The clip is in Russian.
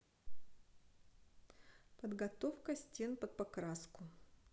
подготовка стен под покраску